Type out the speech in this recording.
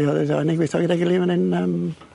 Ie oedd o'n ni'n gweitho gyda'i gily fyn 'yn am